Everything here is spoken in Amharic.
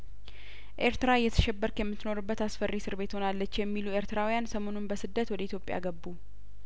ኤርትራ እየተሸበር ክ የምት ኖርበት አስፈሪ እስር ቤት ሆናለች የሚሉ ኤርትራውያን ሰሞኑን በስደት ወደ ኢትዮጵያገቡ